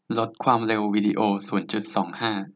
ลดความเร็ววีดีโอศูนย์จุดสองห้า